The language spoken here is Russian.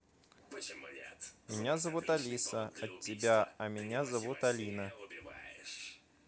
меня зовут алиса от тебя а меня зовут алина